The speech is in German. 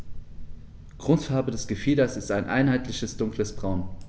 Grundfarbe des Gefieders ist ein einheitliches dunkles Braun.